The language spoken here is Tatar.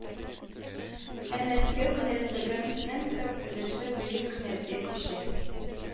Ә Мәскәү кенәзлеге нең төп өлеше бөек кенәзгә күчә